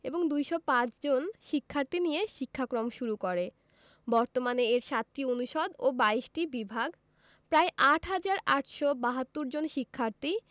এবং ২০৫ জন শিক্ষার্থী নিয়ে শিক্ষাক্রম শুরু করে বর্তমানে এর ৭টি অনুষদ ও ২২টি বিভাগ প্রায় ৮ হাজার ৮৭২ জন শিক্ষার্থী